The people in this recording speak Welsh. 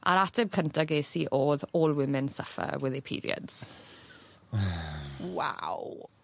A'r ateb cynta ges i odd *all women suffer with their periods. Waw.